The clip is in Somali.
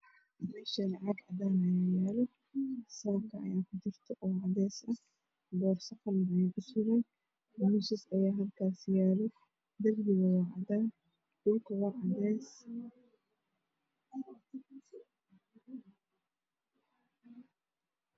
Meeshaan caag cadaan ayaa ayaalo saako ayaa ku jirata oo cadays ah boorso qalinayaa ka suran miisas ayaa halkaan yaalo darbiga waa cadaan dhulka waa cadays.